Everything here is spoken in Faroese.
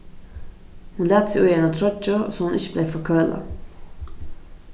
hon læt seg í eina troyggju so hon ikki bleiv forkølað